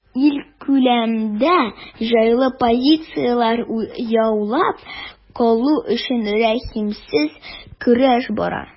Ил күләмендә җайлы позицияләр яулап калу өчен рәхимсез көрәш бара.